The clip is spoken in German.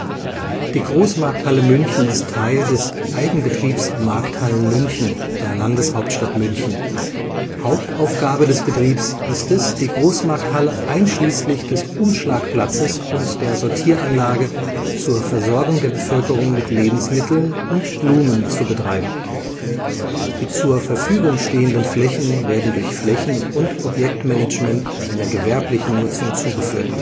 Die Großmarkthalle München ist Teil des Eigenbetriebs Markthallen München der Landeshauptstadt München. Hauptaufgabe des Betriebs ist es, die Großmarkthalle einschließlich des Umschlagplatzes und der Sortieranlage zur Versorgung der Bevölkerung mit Lebensmitteln und Blumen zu betreiben. Die zur Verfügung stehenden Flächen werden durch Flächen - und Objektmanagement einer gewerblichen Nutzung zugeführt